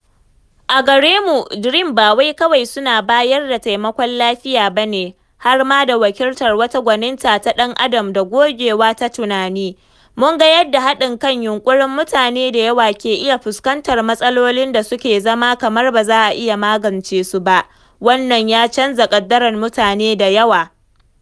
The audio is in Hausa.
A garemu DREAM ba wai kawai suna bayar da taimakon lafiya ba ne, har ma da wakiltar wata gwaninta ta ɗan adam da gogewa ta tunani: mun ga yadda haɗin kan yunƙurin mutane da yawa ke iya fuskantar matsalolin da suka zama kamar ba za a iya magancewa ba, wannan ya canza ƙaddarar mutane da yawa.